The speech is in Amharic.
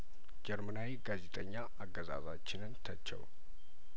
ጀርመናዊ ጋዜጠኛ አገዛዛ ችንን ተቸው